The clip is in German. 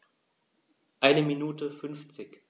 Eine Minute 50